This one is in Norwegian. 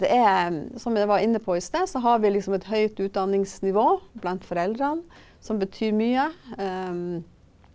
det er som jeg var inne på i sted så har vi liksom et høyt utdanningsnivå blant foreldra som betyr mye .